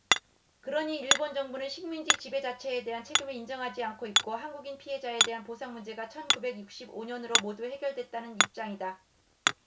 그러나 일본 정부는 식민지 지배 자체에 대한 책임을 인정하지 않고 있고 한국인 피해자에 대한 보상 문제가 천 구백 육십 오 년으로 모두 해결됐다는 입장이다